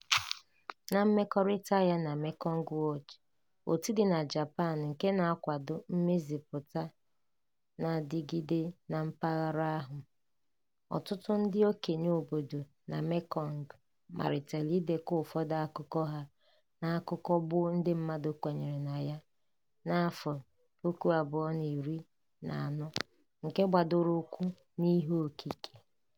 Na mmekorịta ya na Mekong Watch, òtù dị na Japan nke na-akwado mmezipụta na-adịgide na mpaghara ahụ, ọtụtụ ndị okenye obodo na Mekong malitere idekọ ụfọdụ akụkọ ha na akụkọ gboo ndị mmadụ kwenyere na ya na 2014 nke gbadoro ụkwụ n'ihe okike.